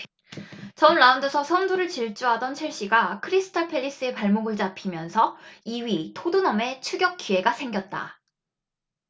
전 라운드서 선두를 질주하던 첼시가 크리스탈 팰리스에 발목을 잡히면서 이 위 토트넘에 추격 기회가 생겼다